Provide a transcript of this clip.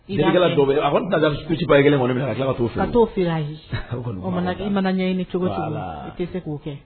A daba kelen to t to i mana ɲɛɲini ni cogo i tɛ se k'o kɛ